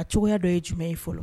A cogoya dɔ ye jumɛn ye fɔlɔ